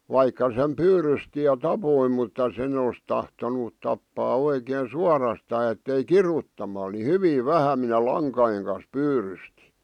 vaikka sen pyydysti ja tappoi mutta sen olisi tahtonut tappaa oikein suorastaan että ei kiduttamalla niin hyvin vähän minä lankojen kanssa pyydystin